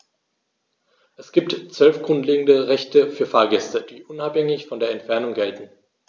Es gibt 12 grundlegende Rechte für Fahrgäste, die unabhängig von der Entfernung gelten.